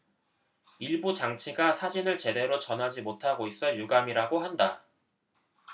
일부 장치가 사진을 제대로 전하지 못하고 있어 유감이라고 한다